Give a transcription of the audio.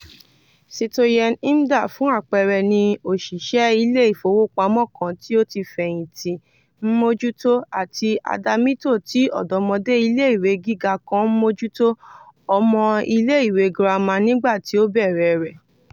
Citoyen Hmida, fún àpẹẹrẹ, ní òṣìṣẹ́ ilé ìfowópamọ́ kan tí ó ti fẹ̀yìntì ń mójútó; àti Adamito tí ọ̀dọ́mọdẹ́ ilé ìwé gíga kan ń mójútó (ọmọ ilé ìwé gírámà nígbà tí ó bẹ̀rẹ̀ rẹ̀).